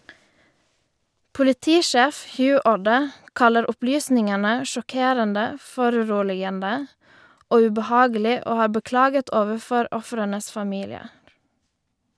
Politisjef Hugh Orde kaller opplysningene «sjokkerende, foruroligende og ubehagelig», og har beklaget overfor ofrenes familier.